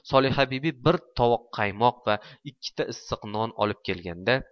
solihabibi bir tovoq qaymoq va ikkita issiq non olib kelgan da